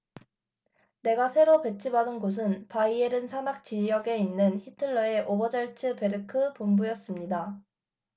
내가 새로 배치받은 곳은 바이에른 산악 지역에 있는 히틀러의 오버잘츠베르크 본부였습니다